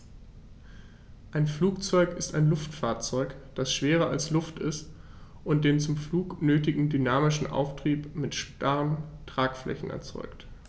Ein Flugzeug ist ein Luftfahrzeug, das schwerer als Luft ist und den zum Flug nötigen dynamischen Auftrieb mit starren Tragflächen erzeugt.